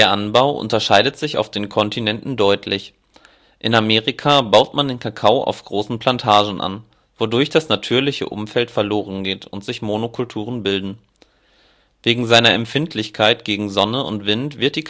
Anbau unterscheidet sich auf den Kontinenten deutlich. In Amerika baut man den Kakao auf großen Plantagen an, wodurch das natürliche Umfeld verloren geht und sich Monokulturen bilden. Wegen seiner Empfindlichkeit gegen Sonne und Wind wird die